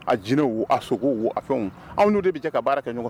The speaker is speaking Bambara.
A jinɛw o a sogow o a fɛnw anw n'o de bɛ jɛ ka baara kɛ ɲɔgɔn